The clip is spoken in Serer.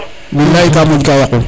bilay ka moƴ ka yaqu